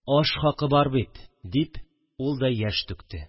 Аш хакы бар бит, – дип ул да яшь түкте